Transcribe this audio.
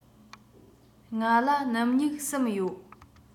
ང ལ སྣུམ སྨྱུག གསུམ ཡོད